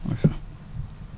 ndeysaan